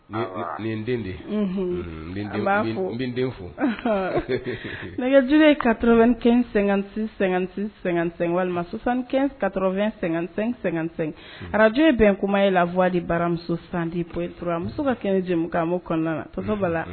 Nin n de' fɔ fo nɛgɛj ye ka sɛgɛn sɛgɛn walima ka-- sɛgɛnsɛ arajo ye bɛn kuma ye lawadi baramuso sandipmuso ka kɛnɛ jamumu kɔnɔna na